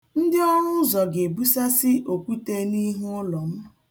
Ndị ọrụụzọ ga-ebusasị okwute n'ihu ụlọ m.